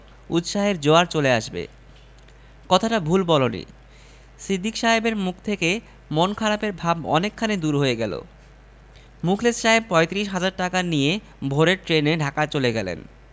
আমি নিজেই যাব না পাওয়া গেলে সুন্দরবনের খাল থেকে কুমীর ধরা হবে টাকা খরচ হবে উপায় কি কত লাগবে কুমীর প্রতি পনেরো হাজার ধরুন